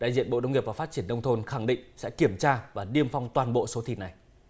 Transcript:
đại diện bộ nông nghiệp và phát triển nông thôn khẳng định sẽ kiểm tra và niêm phong toàn bộ số thịt này